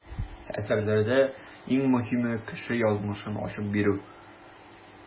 Әсәрләрдә иң мөһиме - кеше язмышын ачып бирү.